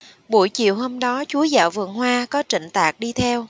buổi chiều hôm đó chúa dạo vườn hoa có trịnh tạc đi theo